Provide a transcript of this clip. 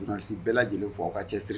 U nana se bɛɛ lajɛlen fɔ aw ka cɛ siri